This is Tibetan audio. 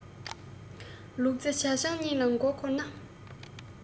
ལུག རྫི ཇ ཆང གཉིས ལ མགོ འཁོར ན